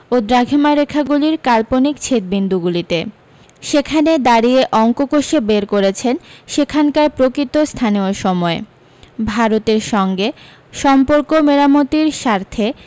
ও দ্রাঘিমারেখাগুলির কাল্পনিক ছেদবিন্দুগুলিতে সেখানে দাঁড়িয়ে অঙ্ক কষে বের করেছেন সেখানকার প্রকৃত স্থানীয় সময় ভারোতের সঙ্গে সম্পর্ক মেরামতির স্বার্থে